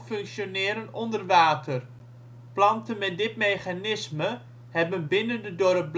onder water. Planten met dit mechanisme hebben binnen de door